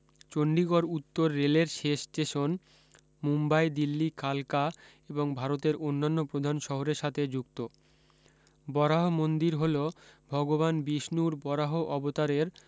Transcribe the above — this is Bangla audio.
চন্ডীগড় উত্তর রেলের শেষ স্টেশন মুম্বাই দিল্লী কালকা এবং ভারতের অন্যান্য প্রধান শহরের সাথে যুক্ত বরাহ মন্দির হল ভগবান বিষ্ণুর বরাহ অবতারের